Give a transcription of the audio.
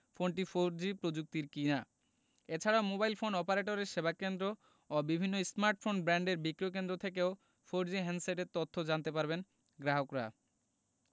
ফোনটি ফোরজি প্রযুক্তির কিনা এ ছাড়াও মোবাইল ফোন অপারেটরের সেবাকেন্দ্র ও বিভিন্ন স্মার্টফোন ব্র্যান্ডের বিক্রয়কেন্দ্র থেকেও ফোরজি হ্যান্ডসেটের তথ্য জানতে পারবেন গ্রাহকরা